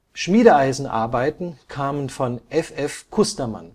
Schmiedeeisenarbeiten kamen von F.F. Kustermann